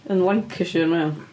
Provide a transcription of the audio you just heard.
Yn Lancashire mae o.